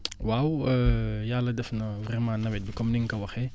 waaw yàlla def na vraiment nawet bi comme ni nga ko waxee